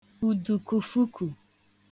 ùdùkùfukù